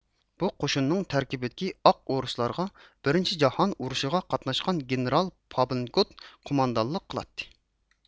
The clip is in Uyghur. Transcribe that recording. بۇ قوشۇننىڭ تەركىبىدىكى ئاق ئورۇسلارغا بىرىنچى جاھان ئۇرۇشىغا قاتناشقان گېنېرال پاپىنگۇت قوماندانلىق قىلاتتى